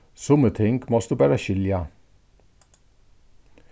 summi ting mást tú bara skilja